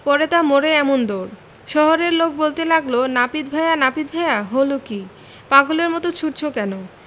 পড়ে তা মরে এমন দৌড় শহরের লোক বলতে লাগল নাপিত ভায়া নাপিত ভায়া হল কী পাগলের মতো ছুটছ কেন